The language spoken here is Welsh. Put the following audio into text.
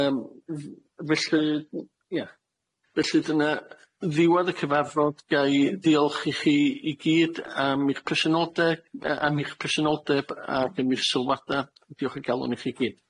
Yym f- felly, ia. Felly dyna ddiwadd y cyfarfod, ga i ddiolch i chi i gyd am eich presenolde yy am eich presenoldeb ag am eich sylwada, diolch o galon i chi gyd.